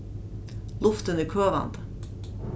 luftin er køvandi